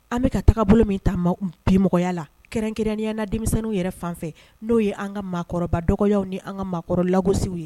An bi ka ka taga bolo min ta bi mɔgɔya la, kɛrɛnkɛrɛnnenya la denmisɛnninw yɛrɛ fanfɛ . No ye an ka maakɔrɔba dɔgɔyaw ni an ka maakɔrɔba lagosiw ye.